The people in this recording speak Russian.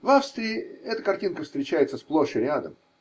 В Австрии эта картинка встречается сплошь и рядом.